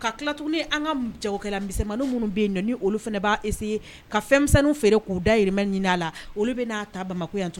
Ka tilatuni an ka minnu bɛ yen na ni olu fana b'se ye ka fɛnmisɛn feere k'u da ɲini'a la olu n'a ta bamakɔ yan